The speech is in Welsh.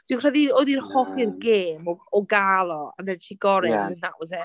Dwi'n credu oedd hi'n hoffi'r gêm o o gael o and then she got him and then that was it.